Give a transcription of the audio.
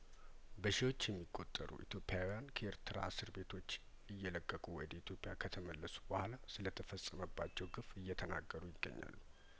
በሺዎች የሚቆጠሩ ኢትዮፕያውያን ከኤርትራ እስር ቤቶች እየለቀቁ ወደ ኢትዮጵያ ከተመለሱ በኋላ ስለተፈጸመባቸው ግፍ እየተናገሩ ይገኛሉ